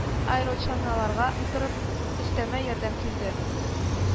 Аэрочаналарга утырып, өстәмә ярдәм килде